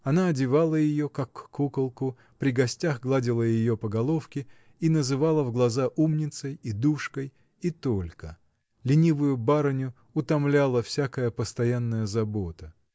она одевала ее, как куколку, при гостях гладила ее по головке и называла в глаза умницей и душкой -- и только: ленивую барыню утомляла всякая постоянная забота.